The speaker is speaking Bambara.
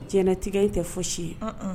Jɛnɛtigɛ ye tɛ fosi ye